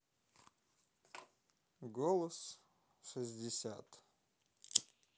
голос шестьдесят